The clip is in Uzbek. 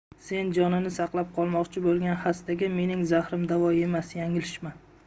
sen jonini saqlab qolmoqchi bo'lgan xastaga mening zahrim davo emas yanglishma